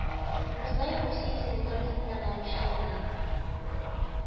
Урзай Русия территориясеннән агучы елга